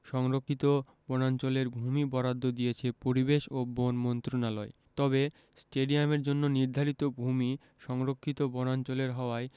সংরক্ষিত বনাঞ্চলের ভূমি বরাদ্দ দিয়েছে পরিবেশ ও বন মন্ত্রণালয় তবে স্টেডিয়ামের জন্য নির্ধারিত ভূমি সংরক্ষিত বনাঞ্চলের হওয়ায়